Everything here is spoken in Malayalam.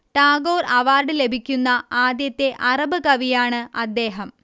ടാഗോർ അവാർഡ് ലഭിക്കുന്ന ആദ്യത്തെ അറബ് കവിയാണ് അദ്ദേഹം